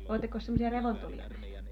olettekos semmoisia revontulia nähnyt